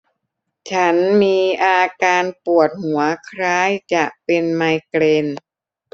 ฉันมีอาการปวดหัวคล้ายจะเป็นไมเกรน